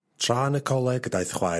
Tra yn y coleg y daeth chwaer...